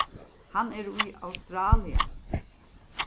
hann er í australia